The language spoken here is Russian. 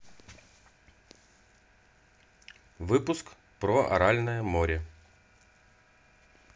выпуск про аральское море